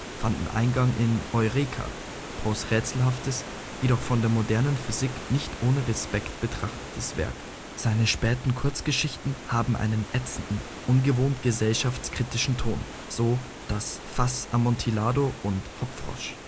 fanden Eingang in Eureka, Poes rätselhaftestes, jedoch von der modernen Physik nicht ohne Respekt betrachtetes Werk. Seine späten Kurzgeschichten haben einen ätzenden, ungewohnt gesellschaftskritischen Ton, so Das Fass Amontillado und Hopp-Frosch